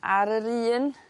ar yr un